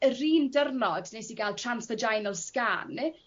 yr un dyrnod nes i ga'l trans vaginal scan